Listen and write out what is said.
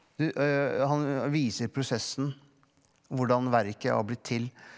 du han viser prosessen hvordan verket har blitt til.